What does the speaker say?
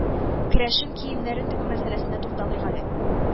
Керәшен киемнәрен тегү мәсьәләсенә тукталыйк әле